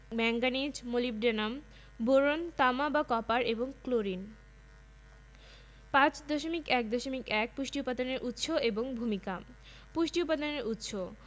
এদের যেকোনো একটির অভাব হলে উদ্ভিদে তার অভাবজনিত লক্ষণ দেখা দেয় এবং পুষ্টির অভাবজনিত রোগের সৃষ্টি হয় একটি অত্যাবশ্যকীয় উপাদানের কাজ অপরটি দিয়ে সম্পন্ন হয় না